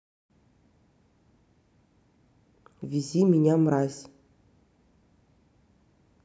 вези меня мразь